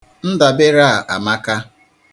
Ndabere a amaka.